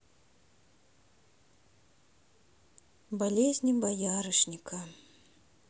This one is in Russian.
болезни боярышника